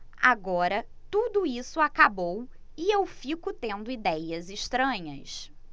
agora tudo isso acabou e eu fico tendo idéias estranhas